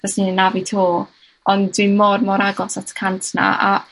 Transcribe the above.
fyswn i'n nafu 'to, ond dwi mor mor agos at y cant 'na a